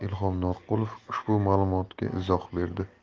ilhom norqulov ushbu ma'lumotga izoh berdi